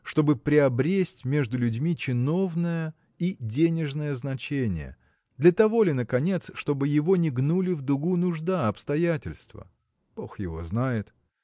чтобы приобресть между людьми чиновное и денежное значение для того ли наконец чтобы его не гнули в дугу нужда обстоятельства? Бог его знает.